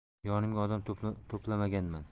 yonimga odam to'plamaganman